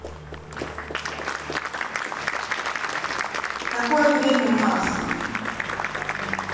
какое время у марса